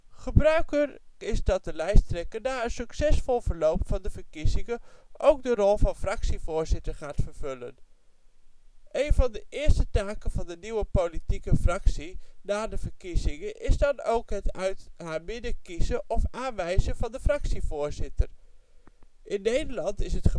Gebruikelijk is dat de lijsttrekker na een succesvol verloop van de verkiezingen ook de rol van fractievoorzitter gaat vervullen. Een van de eerste taken van de nieuwe politieke fractie na de verkiezingen is dan ook het uit haar midden kiezen, of aanwijzen van de fractievoozitter. In Nederland is het gebruikelijk